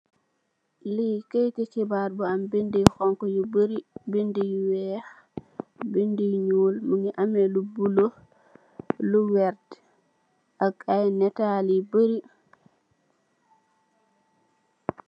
Li kayeti xibar yu am binde yu xonxu yu bari bide yu wex bide yu njul am bula lu wert ak ay natal yu bari